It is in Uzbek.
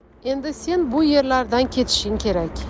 endi sen bu yerlardan ketishing kerak